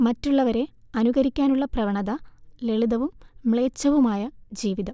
മറ്റുള്ളവരെ അനുകരിക്കാനുള്ള പ്രവണത ലളിതവും മ്ലേച്ഛവുമായ ജീവിതം